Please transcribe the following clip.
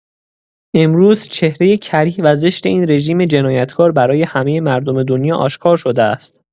امروز چهره کریه و زشت این رژیم جنایت‌کار برای همه مردم دنیا آشکار شده است.